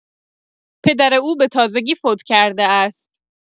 پدر او به تازگی فوت کرده است